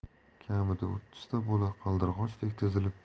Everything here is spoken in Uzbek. kamida o'ttizta bola qaldirg'ochdek tizilib